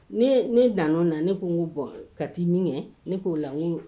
Ne dan o na ne ko n' bɔn ka ti min kɛ ne k'o lakun